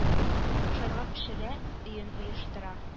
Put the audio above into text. Ашарга пешерә, өен ыештыра